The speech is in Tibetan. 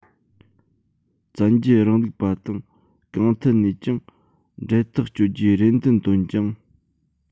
བཙན རྒྱལ རིང ལུགས པ དང གང ཐད ནས ཀྱང འབྲེལ ཐག གཅོད རྒྱུའི རེ འདུན བཏོན ཅིང